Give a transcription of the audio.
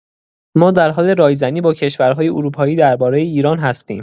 ما در حال رایزنی با کشورهای اروپایی درباره ایران هستیم.